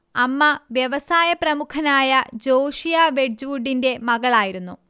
അമ്മ വ്യവസായപ്രമുഖനായ ജോഷിയാ വെഡ്ജ്വുഡിന്റെ മകളായിരുന്നു